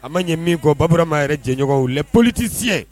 A ma ɲɛ min kɔ baburama yɛrɛ jɛɲɔgɔnw la poli tɛ si